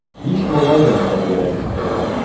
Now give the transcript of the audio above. Биш малай гына тәрбияләп үстергән!